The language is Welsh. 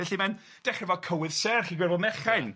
Felly mae'n dechrau fel cywydd serch i Gwerfyl Mechain... Ia.